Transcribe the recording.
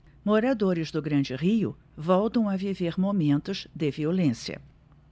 moradores do grande rio voltam a viver momentos de violência